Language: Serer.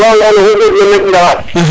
im anda nga an oxu god na men ndaxar